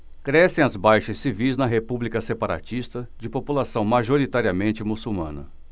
crescem as baixas civis na república separatista de população majoritariamente muçulmana